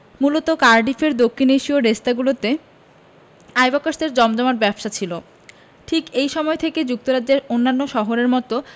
মূলত কার্ডিফের দক্ষিণ এশীয় রেস্তাগুলোতে আইবকস্টের জমজমাট ব্যবসা ছিল ঠিক এই সময় থেকেই যুক্তরাজ্যের অন্যান্য শহরের মতো